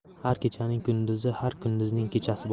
har kechaning kunduzi har kunduzning kechasi bor